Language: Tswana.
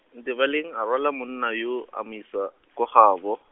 Ntebaleng a rwala monna yo a mo isa, kwa gabo.